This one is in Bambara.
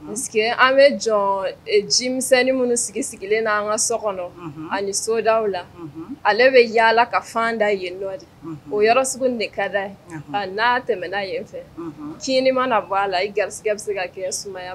An bɛ jɔ jimisɛnnin minnu sigi sigilen an ka so kɔnɔ ani soda la ale bɛ yaala ka fan da yen dɔ de o yɔrɔ segu kada n'a tɛmɛɛna yenfɛ tiinin mana b'a la i garisi bɛ se ka kɛya